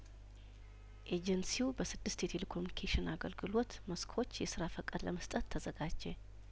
ኤጀንሲው በስድስት የቴሌኮሙኒኬሽን አገልግሎት መስኮች የስራ ፈቃድ ለመስጠት ተዘጋጀ